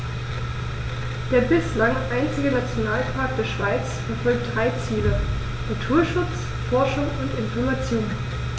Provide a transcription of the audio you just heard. Der bislang einzige Nationalpark der Schweiz verfolgt drei Ziele: Naturschutz, Forschung und Information.